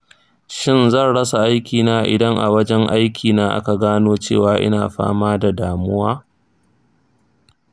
shin zan rasa aikina idan a wajen aikina aka gano cewa ina fama da damuwa?